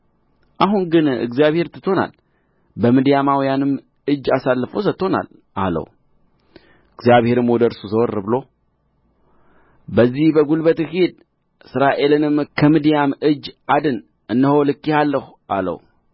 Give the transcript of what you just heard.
አሁን ግን እግዚአብሔር ትቶናል በምድያማውያንም እጅ አሳልፎ ሰጥቶናል አለው እግዚአብሔርም ወደ እርሱ ዘወር ብሎ በዚህ በጕልበትህ ሂድ እስራኤልንም ከምድያም እጅ አድን እነሆ ልኬሃለሁ አለው